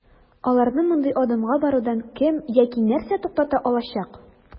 Аларны мондый адымга барудан кем яки нәрсә туктата алачак?